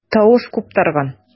Тавыш куптарган.